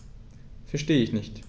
Verstehe nicht.